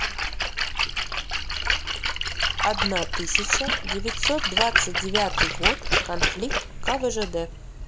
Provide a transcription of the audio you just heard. одна тысяча девятьсот двадцать девятый год конфликт квжд